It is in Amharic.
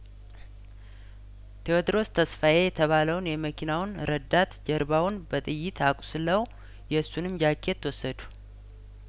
ቴዎድሮስ ተስፋዬ የተባለውን የመኪናውን ረዳት ጀርባውን በጥይት አቁስለው የሱንም ጃኬት ወሰዱ